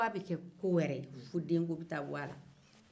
fo denko bɛ taa bɔ a la